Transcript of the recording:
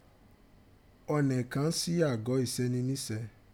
ọ̀nẹ̀ kàn sí àgọ́ ìṣẹ́niníṣẹ̀ẹ́.